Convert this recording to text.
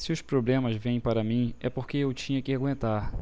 se os problemas vêm para mim é porque eu tinha que aguentar